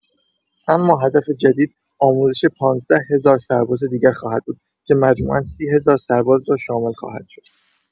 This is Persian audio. اما هدف جدید، آموزش ۱۵۰۰۰ سرباز دیگر خواهد بود که مجموعا ۳۰ هزار سرباز را شامل خواهد شد.